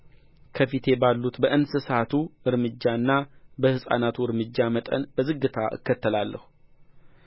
ከፊቴ ባሉት በእንስሳቱ እርምጃና በሕፃናቱ እርምጃ መጠን በዝግታ እከተላለሁ